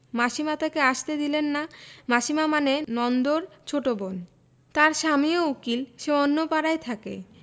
মাসীমা তাকে আসতে দিলেন নামাসিমা মানে নন্দর ছোট বোন তার স্বামীও উকিল সে অন্য পাড়ায় থাকে